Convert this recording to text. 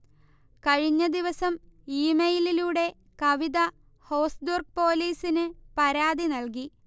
കഴിഞ്ഞദിവസം ഇമെയിലിലൂടെ കവിത ഹോസ്ദുർഗ് പോലീസിന് പരാതി നൽകി